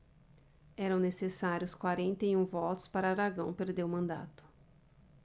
eram necessários quarenta e um votos para aragão perder o mandato